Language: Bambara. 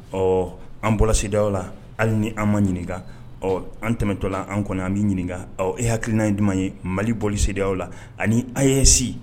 Ɔ an bɔra se aw la hali ni an ma ɲininka ɔ an tɛmɛtɔ la an kɔni an bɛ ɲininka ɔ e hakilikilina ye di ye mali bɔli se la ani a ye si